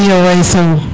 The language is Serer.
iyo way Sow